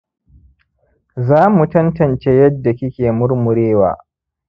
za mu tantance yadda kike murmurewa.